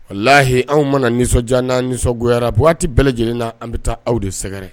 Walayi anw mana nisɔndiya n' an nisɔngoyara waati bɛɛ lajɛlen na, an bɛ taa aw de sɛgɛrɛ.